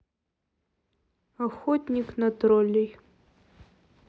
охотник на троллей